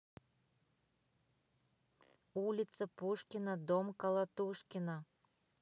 улица пушкина дом колотушкина